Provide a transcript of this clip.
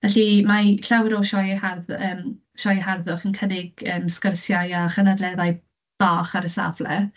Felly, mae llawer o sioeau harddw-, yym, sioeau harddwch yn cynnig yym sgwrsiau a chynadleddau bach ar y safle.